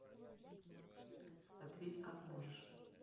ответь как можешь